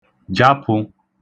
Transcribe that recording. japụ̄